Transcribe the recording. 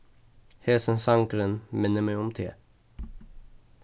hesin sangurin minnir meg um teg